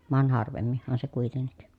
vaan harvemminhan se kuitenkin